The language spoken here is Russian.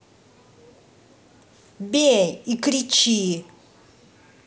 бей и кричи